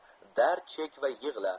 dard chek va yig'la